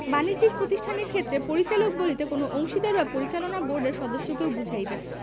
বাণিজ্যিক প্রতিষ্ঠানের ক্ষেত্রে পরিচালক বলিতে কোন অংশীদার বা পরিচালনা বোর্ডের সদস্যকেও বুঝাইবে